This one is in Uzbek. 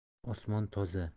osmon toza